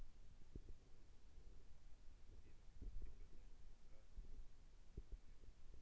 альфина а ты когда нибудь сразу говорю с человеком